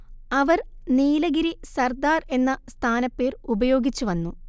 അവർ നീലഗിരി സർദാർ എന്ന സ്ഥാനപ്പേർ ഉപയോഗിച്ചു വന്നു